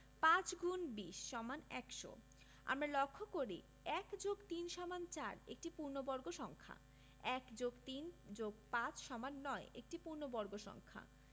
৫*২০=১০০ আমরা লক্ষ করি ১+৩=৪ একটি পূর্ণবর্গ সংখ্যা ১+৩+৫=৯ একটি পূর্ণবর্গ সংখ্যা